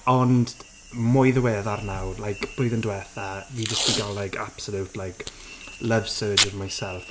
Ond, t- mwy ddiweddar nawr like blwyddyn diwetha fi jyst 'di gael like absolute like love surge of myself.